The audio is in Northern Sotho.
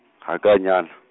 ga ka nyala .